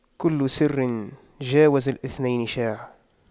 كل سر جاوز الاثنين شاع